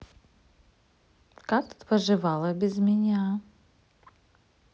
как тут поживала без меня